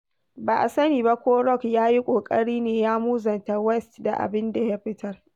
Ba a sani ba ko Rock ya yi ƙoƙari ne ya muzanta West da abin da ya fitar.